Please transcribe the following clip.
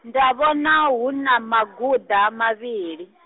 nda vhona huna maguḓa mavhili.